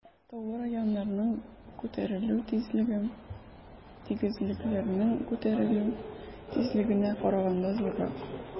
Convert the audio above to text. Таулы районнарның күтәрелү тизлеге тигезлекләрнең күтәрелү тизлегенә караганда зуррак.